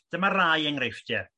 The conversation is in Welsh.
Dyma rai engreifftie.